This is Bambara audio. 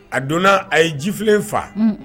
A donna a ye jifilen fa